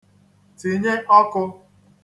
tìnye ọkụ̄